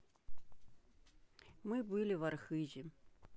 мы были в архызе